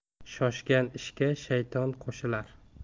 shoshgan ishga shayton qo'shilar